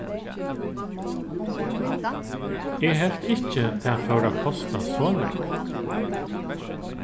eg helt ikki tað fór at kosta so nógv